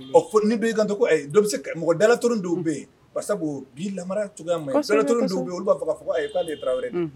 Ɔ ko ni b'i kanto ɛ dɔ bɛ se ka, mɔgɔ datori dɔw bɛ yen, bari sabu bi, lamara cogoya maɲi, kosɛbɛ kosɛbɛ, datori dɔw bɛ yen, olu b'a fɔ ayi k'ale ye Tarawele de ye.